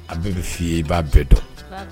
A bɛ bɛ ye i b'a bɛɛ dɔn